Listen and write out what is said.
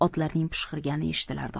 otlarning pishqirgani eshitilardi